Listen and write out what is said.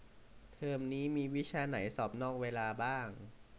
เทอมนี้มีวิชาไหนสอบนอกเวลาบ้าง